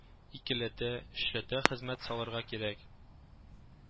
Икеләтә, өчләтә хезмәт салырга кирәк